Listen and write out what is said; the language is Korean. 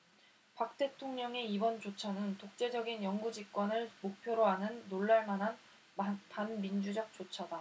박 대통령의 이번 조처는 독재적인 영구집권을 목표로 하는 놀랄 만한 반민주적 조처다